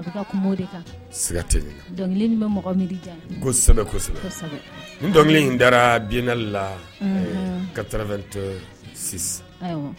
A bɛ ka kuma o de kan , sika tɛnin na, nin dɔnkili in bɛ mɔgɔ miiri janya , kosɛbɛ, kosɛbɛ kosɛbɛ n dɔnkili da la bienal 86 awɔ.